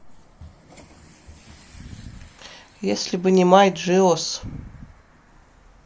если бы не май джиос